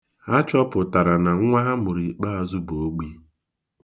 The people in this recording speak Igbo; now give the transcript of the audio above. Ha chọpụtara na nnwa ha mụrụ ikpeazụ bụ ogbị.